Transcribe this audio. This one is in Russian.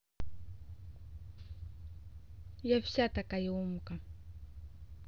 я вся такая умка